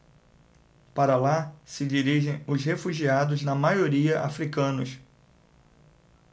para lá se dirigem os refugiados na maioria hútus